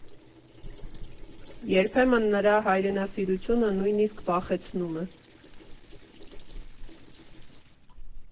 Երբեմն նրա հայրենասիրությունը նույնիսկ վախեցնում է.